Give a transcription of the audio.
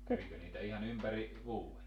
kävikö niitä ihan ympäri vuoden